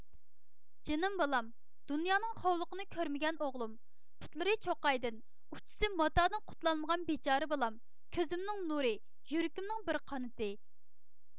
جېنىم بالام دۇنيانىڭ خوۋلۇقىنى كۆرمىگەن ئوغلۇم پۇتلىرى چوقايدىن ئۇچىسى ماتادىن قۇتۇلمىغان بىچارە بالام كۆزۈمنىڭ نۇرى يۈرىكىمنىڭ بىر قانىتى